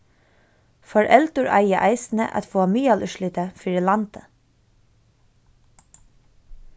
foreldur eiga eisini at fáa miðalúrslitið fyri landið